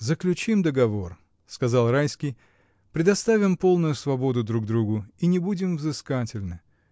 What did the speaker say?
заключим договор, — сказал Райский, — предоставим полную свободу друг другу и не будем взыскательны!